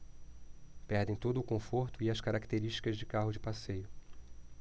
perdem todo o conforto e as características de carro de passeio